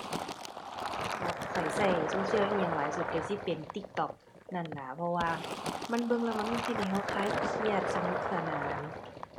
ข้อยใช้โซเชียลอิหยังหลายสุด ใช้สิเป็น TikTok นั่นล่ะ เพราะว่ามันเบิ่งแล้วมันเฮ็ดให้ใช้คลายเครียด สนุกสนาน